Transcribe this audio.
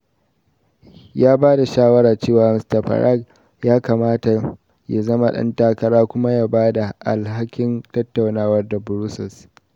Ya ba da shawarar cewa Mr Farage ya kamata ya zama dan takara kuma ya ba da alhakin tattaunawar da Brussels.